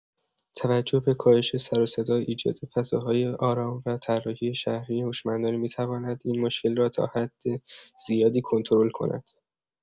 توجه به کاهش سر و صدا، ایجاد فضاهای آرام و طراحی شهری هوشمندانه می‌تواند این مشکل را تا حد زیادی کنترل کند.